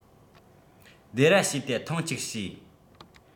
སྡེ ར བྱས ཏེ ཐེངས གཅིག བྱས